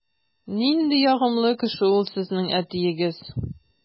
Нинди ягымлы кеше ул сезнең әтиегез!